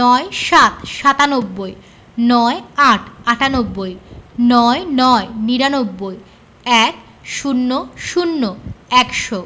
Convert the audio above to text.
৯৭ – সাতানব্বই ৯৮ - আটানব্বই ৯৯ - নিরানব্বই ১০০ – একশো